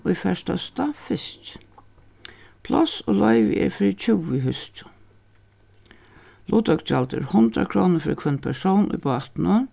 ið fær størsta fiskin pláss og loyvi er fyri tjúgu húskjum luttøkugjald er hundrað krónur fyri hvønn persón í bátinum